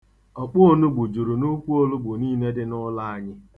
Ọ̀kpụōnūgbù juru n'ukwu onugbu niile dị n'ụlọ anyị.